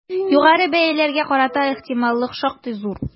Югары бәяләргә карата ихтималлык шактый зур.